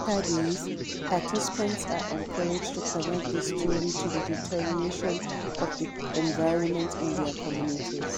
After this, participants are encouraged to connect the story to the deterioration of the environment in their communities.